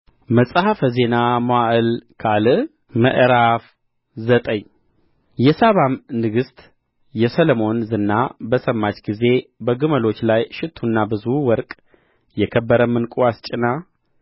መጽሐፈ ዜና መዋዕል ካልዕ ምዕራፍ ዘጠኝ የሳባም ንግሥት የሰሎሞንን ዝና በሰማች ጊዜ በግመሎች ላይ ሽቱና ብዙ ወርቅ የከበረም ዕንቍ አስጭና